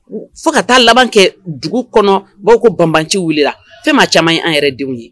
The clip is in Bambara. Fo ka taa laban kɛ dugu kɔnɔ b'a ko banbanci wulila fɛn ma caman an yɛrɛ denw ye